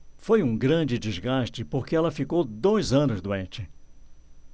foi um grande desgaste porque ela ficou dois anos doente